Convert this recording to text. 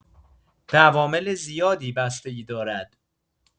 به عوامل زیادی بستگی دارد.